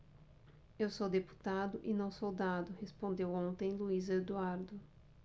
eu sou deputado e não soldado respondeu ontem luís eduardo